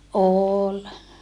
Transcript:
oli